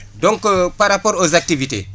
donc par rapport aux activités